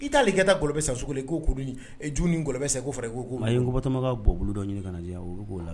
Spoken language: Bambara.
I t'ali kɛ da kɔlɔlɔbɛ saso kouni j nilɔbɛ ko ye koma ka bɔ bolo dɔ ɲini ka'o la